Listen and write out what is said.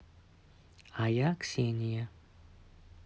а я ксения